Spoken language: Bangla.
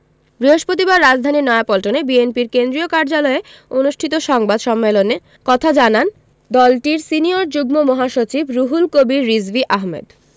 বৃহস্পতিবার রাজধানীর নয়াপল্টনে বিএনপির কেন্দ্রীয় কার্যালয়ে অনুষ্ঠিত সংবাদ সম্মেলন এ কথা জানান দলটির সিনিয়র যুগ্ম মহাসচিব রুহুল কবির রিজভী আহমেদ